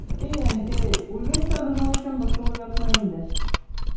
И әнкәй, үлгәч тә безнең өчен борчылып ятма инде.